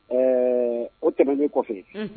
Ɛɛ o tɛmɛnnen kɔfɛ